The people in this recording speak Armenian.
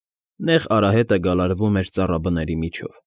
Նեղ արահետը գալարվում էր ծառաբների միջոց։